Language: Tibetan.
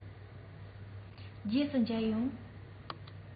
རྗེས སུ མཇལ ཡོང